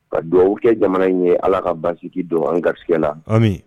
Ka dugawubabu kɛ jamana in ye ala ka basisigiki don an garigɛ lami